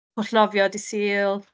Pwll nofio dydd Sul.